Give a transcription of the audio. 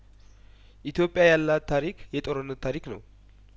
ኢትዮጵያ ያላት ታሪክ የጦርነት ታሪክ ነው